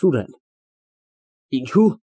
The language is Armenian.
ՍՈՒՐԵՆ ֊ Ինչո՞ւ։